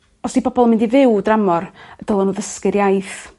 os 'di bobol yn mynd i fyw dramor dylen n'w ddysgu'r iaith.